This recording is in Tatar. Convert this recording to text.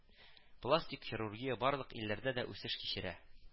Пластик хирургия барлык илләрдә дә үсеш кичерә